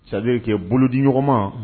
C'est à dire que bolo di ɲɔgɔn ma